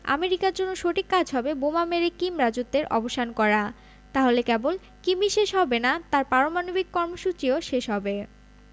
আমেরিকার জন্য সঠিক কাজ হবে বোমা মেরে কিম রাজত্বের অবসান করা তাহলে কেবল কিমই শেষ হবে না তাঁর পারমাণবিক কর্মসূচিও শেষ হবে